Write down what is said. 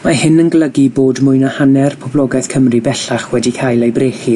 Mae hyn yn golygu bod mwy na hanner poblogaeth Cymru bellach wedi cael ei brechi